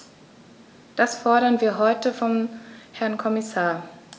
Das fordern wir heute vom Herrn Kommissar.